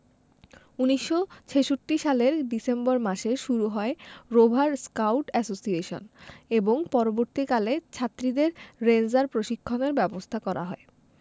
১৯৬৬ সালের ডিসেম্বর মাসে শুরু হয় রোভার স্কাউট অ্যাসোসিয়েশন এবং পরবর্তীকালে ছাত্রীদের রেঞ্জার প্রশিক্ষণের ব্যবস্থা করা হয়